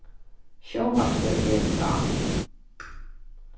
sjónvarpið er frá